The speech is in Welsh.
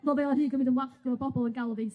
o hyd yn mynd yn wallgo o bobol yn galw fi...